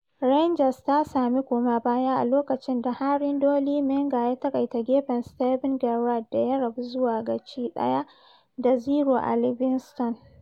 Rangers ta sami koma baya a lokacin da harin Dolly Menga ya taƙaita gefen Steven Gerrard da ya rabu zuwa ga ci 1 da 0 a Livingston.